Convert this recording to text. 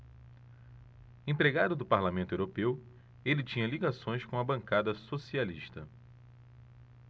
empregado do parlamento europeu ele tinha ligações com a bancada socialista